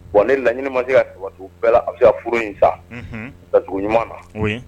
Wa ne laɲinima se ka tɛmɛba bɛɛ afiyaf furu in sa da dugu ɲuman na